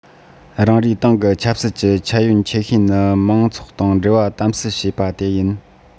རང རེའི ཏང གི ཆབ སྲིད ཀྱི ཁྱད ཡོན ཆེ ཤོས ནི མང ཚོགས དང འབྲེལ བ དམ ཟབ བྱེད པ དེ ཡིན